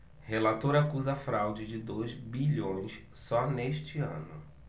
relator acusa fraude de dois bilhões só neste ano